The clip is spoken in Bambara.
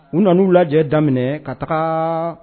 U nan'u lajɛ daminɛ ka taga